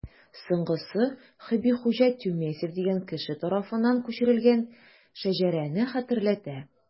Соңгысы Хөббихуҗа Тюмесев дигән кеше тарафыннан күчерелгән шәҗәрәне хәтерләтә.